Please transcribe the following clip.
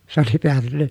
se oli päätynyt